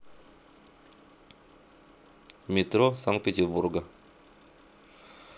метро санкт петербурга